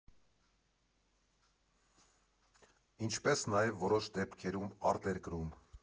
Ինչպես նաև որոշ դեպքերում արտերկրում։